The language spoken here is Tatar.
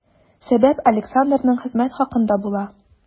Сәбәп Александрның хезмәт хакында була.